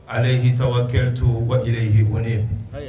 Ale ye yitaba kɛ to wa ye o ye